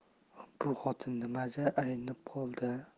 bu xotin nimaga aynib qol di a